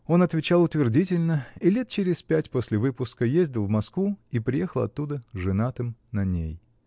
Он отвечал утвердительно и лет через пять после выпуска ездил в Москву и приехал оттуда женатым на ней.